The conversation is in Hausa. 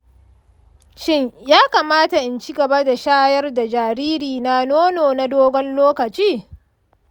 shin ya kamata in ci gaba da shayar da jaririna nono na dogon lokaci?